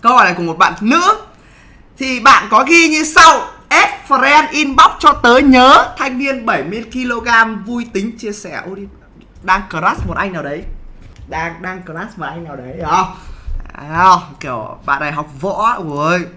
câu hỏi của một bạn nữa thì bạn có ghi như sau ét phờ ren in bóc cho tớ nhớ thanh niên bảy mươi ki lô gam vui tính chia sẻ ô địt đang cờ rát một anh nào đấy đang đang cờ rát một anh nào đấy hiểu hong kiểu bạn đại học võ uôi